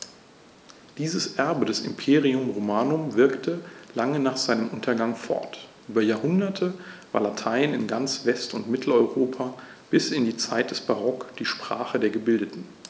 Dieses Erbe des Imperium Romanum wirkte lange nach seinem Untergang fort: Über Jahrhunderte war Latein in ganz West- und Mitteleuropa bis in die Zeit des Barock die Sprache der Gebildeten.